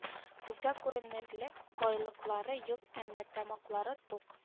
Күзгә күренерлек байлыклары юк әмма тамаклары тук